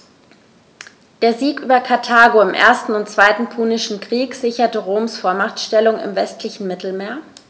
Der Sieg über Karthago im 1. und 2. Punischen Krieg sicherte Roms Vormachtstellung im westlichen Mittelmeer.